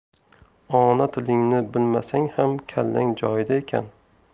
ona tilingni bilmasang ham kallang joyida ekan